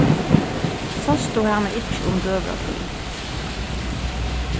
sást tú hana ikki um døgurðatíð